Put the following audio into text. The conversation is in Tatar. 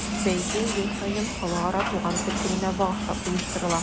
Бәйге ел саен Халыкара туган тел көненә багышлап оештырыла.